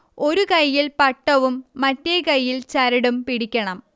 ഒരു കൈയ്യിൽ പട്ടവും മറ്റേ കൈയിൽ ചരടും പിടിക്കണം